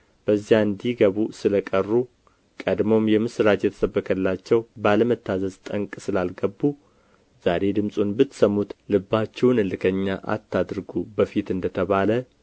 በዚያ እንዲገቡ ስለ ቀሩ ቀድሞም የምስራች የተሰበከላቸው ባለመታዘዝ ጠንቅ ስላልገቡ ዛሬ ድምፁን ብትሰሙት ልባችሁን እልከኛ አታድርጉ በፊት እንደ ተባለ